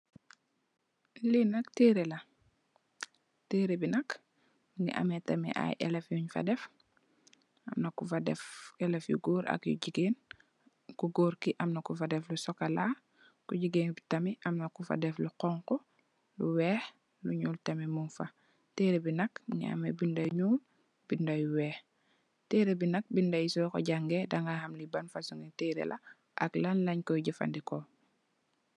Li nak tereeh la, tereeh bi nak, mungi ameh tamit ay elif yun fa def. Amna ko fa deff elif yu gòor ak yu jigéen. Ku gòor ki Amna ki fa def lu sokola. Ku jigéen tamit amna Ku fa def lu honku, lu weeh, lu ñuul tamit mung fa. Tereeh bi nak mungi ameh binda yi ñuul, binda yu weeh. Tereeh bi nak binda yi soko jàngay daga ham li ban fasung ngi teereh la ak lan leen koy jafadeko.